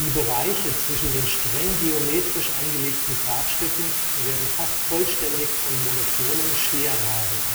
Bereiche zwischen den streng geometrisch angelegten Grabstätten werden fast vollständig von monotonen Scherrasen